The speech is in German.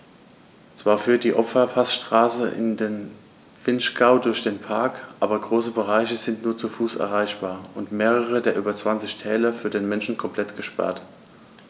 Zwar führt die Ofenpassstraße in den Vinschgau durch den Park, aber große Bereiche sind nur zu Fuß erreichbar und mehrere der über 20 Täler für den Menschen komplett gesperrt.